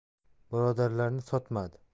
birodarlarini sotmadi